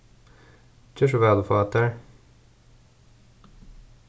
ger so væl og fá tær